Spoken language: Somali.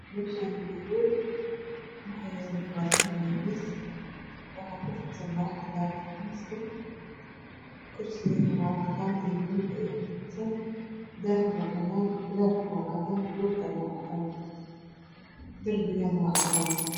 Meeshaan waa hool waxaa yaalo kuraasman iyo miisas waxaa kufidsan maro cadaan ah miiska. Kursigana cadaan iyo gaduud ayaa ku fidsan. Daaha waa cadaan. Leyrka waa cadaan dhulkuna waa cadaan darbiguna Waa cadaan.